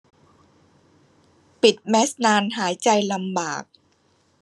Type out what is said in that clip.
ปิดแมสนานหายใจลำบาก